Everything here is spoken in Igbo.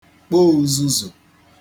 kpo uzuzù